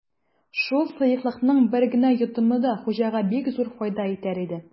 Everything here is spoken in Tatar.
Шул сыеклыкның бер генә йотымы да хуҗага бик зур файда итәр иде.